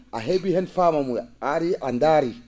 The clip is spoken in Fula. a heeɓi hen famamuya a ari a daari